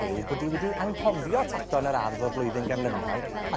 ...yw bod 'i wedi anghofio tato yn yr ardd o'r flwyddyn ganlynol, ac